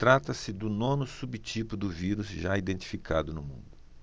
trata-se do nono subtipo do vírus já identificado no mundo